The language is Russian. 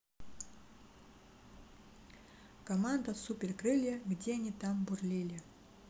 команда супер крылья где они там бурлили